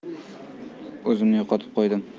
o'zimni yo'qotib qo'ydim